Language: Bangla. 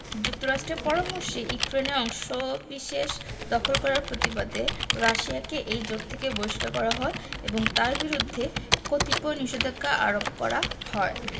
যুক্তরাষ্ট্রের পরামর্শেই ইউক্রেনের অংশবিশেষ দখল করার প্রতিবাদে রাশিয়াকে এই জোট থেকে বহিষ্কার করা হয় এবং তার বিরুদ্ধে কতিপয় নিষেধাজ্ঞা আরোপ করা হয়